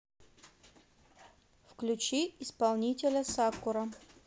включи исполнителя сакура